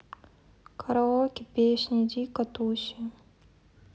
караоке песни дико тусим